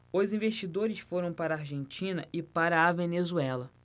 os investidores foram para a argentina e para a venezuela